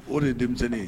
O de denmisɛnnin ye